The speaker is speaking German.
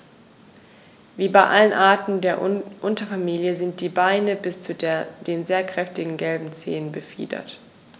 Wie bei allen Arten der Unterfamilie sind die Beine bis zu den sehr kräftigen gelben Zehen befiedert.